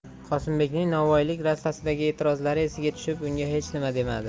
qosimbekning novvoylik rastasidagi etirozlari esiga tushib unga hech nima demadi